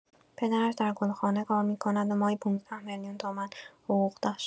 پدرش در گلخانه کار می‌کند و ماهی ۱۵ میلیون تومان حقوق داشت.